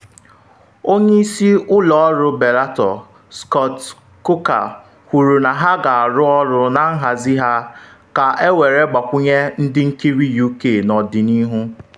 Onye isi ụlọ ọrụ Bellator, Scott Coker kwuru na ha ga-arụ ọrụ na nhazi ha ka ewere gbakwunye ndị nkiri UK n’ọdịnihu.